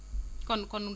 kon kon